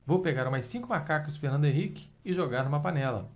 vou pegar umas cinco macacas do fernando henrique e jogar numa panela